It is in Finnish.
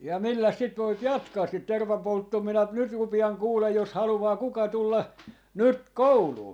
ja milläs sitä voi jatkaa sitä tervanpolttoa minä - nyt rupean kuule jos haluaa kuka tulla nyt kouluun